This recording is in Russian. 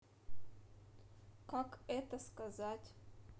как это сказать